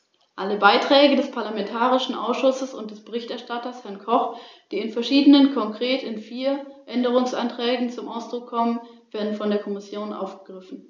Herr Präsident, mir ist es ebenso wie meinem Kollegen Herrn Evans eine besondere Freude, erstmals in diesem Haus zu diesem sehr wichtigen Problem das Wort zu ergreifen, zumal ich mit den West Midlands einen Teil des Vereinigten Königreichs vertrete, der bisher in den Genuß von Ziel-2-Fördermitteln gekommen ist.